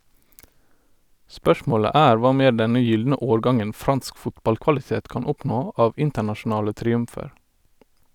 Spørsmålet er hva mer denne gylne årgangen fransk fotballkvalitet kan oppnå av internasjonale triumfer.